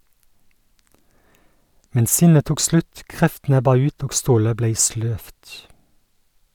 Men sinnet tok slutt, kreftene ebba ut og stålet blei sløvt.